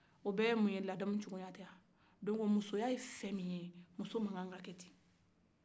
o bɛ ye mun ye ladamu cogoya tɛ wa muso man kan ka kɛ ten